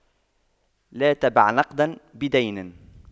لا تبع نقداً بدين